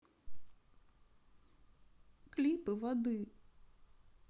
клипы воды